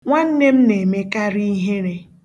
Nwanne m na-emekarị ihere